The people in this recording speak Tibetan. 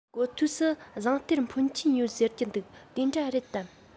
གོ ཐོས སུ ཟངས གཏེར འཕོན ཆེན ཡོད ཟེར གྱི འདུག དེ འདྲ རེད དམ